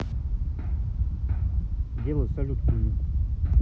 дело салют хуйню